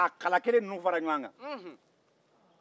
u y'a kala kelen ninnu fara ɲɔgɔn kan